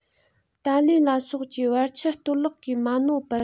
ཏཱ ལའི ལ སོགས ཀྱི བར ཆད གཏོར བརླག གིས མ གནོད པར